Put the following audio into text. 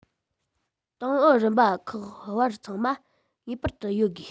ཏང ཨུ རིམ པ ཁག བར ཚང མ ངེས པར དུ ཡོད དགོས